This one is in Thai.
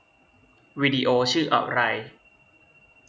วิดีโอชื่ออะไร